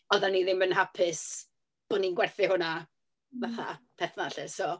Oedden ni ddim yn hapus bo' ni'n gwerthu hwnna, fatha peth 'na 'lly so...